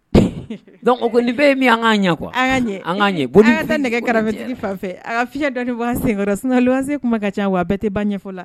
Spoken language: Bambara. Dɔnku koli bɛ min an ka ɲɛkɔ an'an ɲɛ tɛ nɛgɛ fanfɛ fiyɛya dɔ ni senyɔrɔ sunlise kuma ka ca wa a bɛɛ tɛ ban ɲɛfɔ la